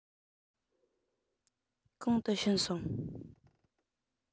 གང དུ ཕྱིན སོང